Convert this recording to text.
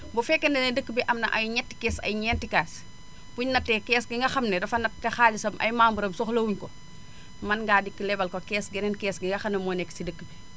bu fekkente ne dëkk bi am na ay ñetti kees ay ñeenti kaas bu ñu nattee kees gi nga xam ne dafa natt te xaalisam ay membres am soxla wu ñu ko mën ngaa dikk lebal ko kees geneen kees gi nga xam ne moo nekk si deëkk bi